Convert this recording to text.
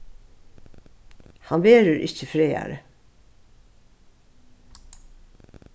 hann verður ikki frægari